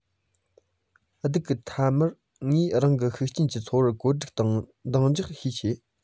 སྡུག གི མཐའ མར ངས རང གི གཞུག ཕྱོགས གྱི འཚོ བ བཀོད སྒྲིག ལ འདང རྒྱག ཤས ཆེ